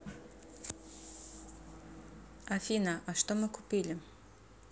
афина а что мы купили